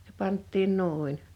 se pantiin noin